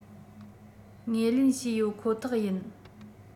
ངོས ལེན ཞུས ཡོད ཁོ ཐག ཡིན